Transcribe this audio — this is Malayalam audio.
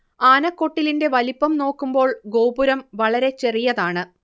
ആനക്കൊട്ടിലിന്റെ വലിപ്പം നോക്കുമ്പോൾ ഗോപുരം വളരെ ചെറിയതാണ്